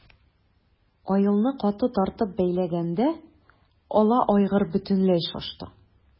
Аелны каты тартып бәйләгәндә ала айгыр бөтенләй шашты.